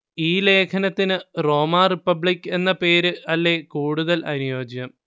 ഈ ലേഖനത്തിനു Roma republic എന്ന പേര് അല്ലേ കൂടുതൽ അനുയോജ്യം